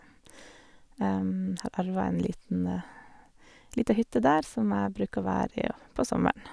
Har arva en liten lita hytte der som jeg bruker å være i og på sommeren.